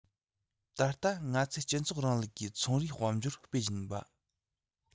ད ལྟ ང ཚོས སྤྱི ཚོགས རིང ལུགས ཀྱི ཚོར རའི དཔལ འབྱོར སྤེལ བཞིན པ